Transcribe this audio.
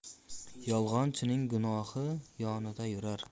yolg'onchining guvohi yonida yurar